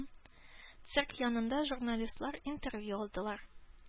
Цирк янында журналистлар интервью алдылар.